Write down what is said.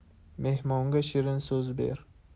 mehmonga shirin so'z ber